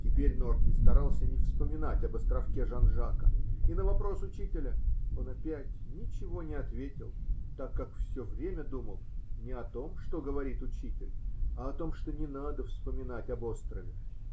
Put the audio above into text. Теперь Норти старался не вспоминать об островке Жан-Жака, и на вопрос учителя он опять ничего не ответил, так как все время думал не о том, что говорит учитель, а о том, что не надо вспоминать об острове.